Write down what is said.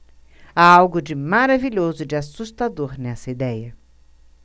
há algo de maravilhoso e de assustador nessa idéia